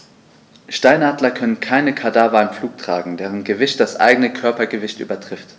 Steinadler können keine Kadaver im Flug tragen, deren Gewicht das eigene Körpergewicht übertrifft.